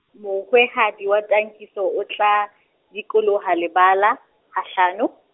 mohwehadi wa Tankiso, o tla dikoloha lebala, ha hlano.